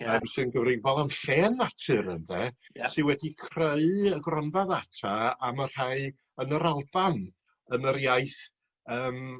Ia... sy'n gyfrifol am llên natur ynde... Ia. ...sy wedi creu y gronfa ddata am y rhai yn yr Alban yn yr iaith yym